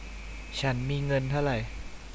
ฉันมีเงินเท่าไร